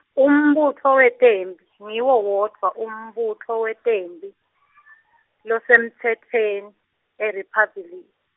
umbutfo wetemphi ngiwo wodvwa umbutfo wetemphi losemtsetfweni eRiphabhli-.